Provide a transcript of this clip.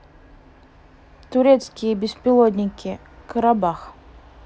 турецкие беспилотники карабах